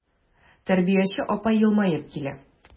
Тәрбияче апа елмаеп килә.